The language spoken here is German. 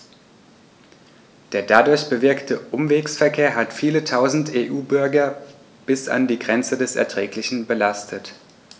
Der dadurch bewirkte Umwegsverkehr hat viele Tausend EU-Bürger bis an die Grenze des Erträglichen belastet.